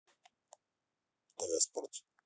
тв спорт